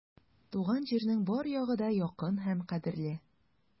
Туган җирнең бар ягы да якын һәм кадерле.